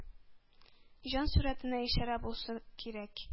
Җан сурәтенә ишарә булса кирәк...